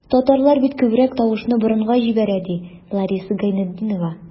Татарлар бит күбрәк тавышны борынга җибәрә, ди Лариса Гайнетдинова.